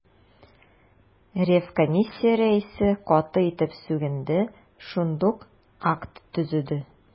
Ревкомиссия рәисе каты итеп сүгенде, шундук акт төзеде.